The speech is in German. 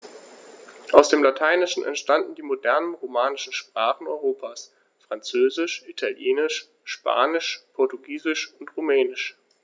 Aus dem Lateinischen entstanden die modernen „romanischen“ Sprachen Europas: Französisch, Italienisch, Spanisch, Portugiesisch und Rumänisch.